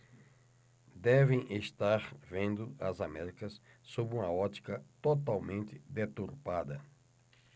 devem estar vendo as américas sob uma ótica totalmente deturpada